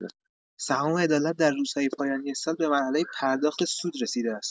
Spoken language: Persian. سهام عدالت در روزهای پایانی سال به مرحله پرداخت سود رسیده است.